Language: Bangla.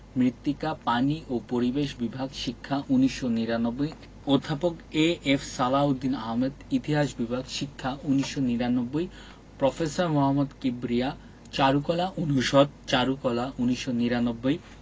মৃত্তিকা পানি ও পরিবেশ বিভাগ শিক্ষা ১৯৯৯ অধ্যাপক এ.এফ সালাহ উদ্দিন আহমদ ইতিহাস বিভাগ শিক্ষা ১৯৯৯ প্রফেসর মোহাম্মদ কিবরিয়া চারুকলা অনুষদ চারুকলা ১৯৯৯